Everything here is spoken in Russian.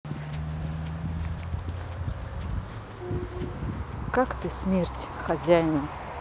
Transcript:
как ты смерть хозяина